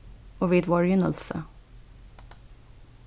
og vit vóru í nólsoy